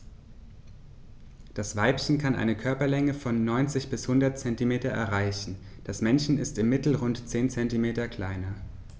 Das Weibchen kann eine Körperlänge von 90-100 cm erreichen; das Männchen ist im Mittel rund 10 cm kleiner.